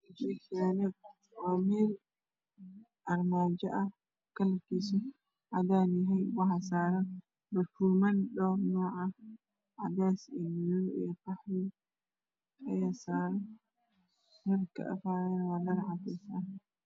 Meeshaan waa meel armaajo ah kalarkiisu waa cadaan waxaa saaran kartooman dhawr nuuc ah sida cadeys, madow iyo qaxwi ayaa saaran. Dhar waa cadeys.